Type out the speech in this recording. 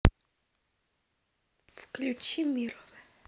включить мир